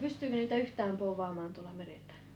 pystyykö niitä yhtään povaamaan tuolla merellä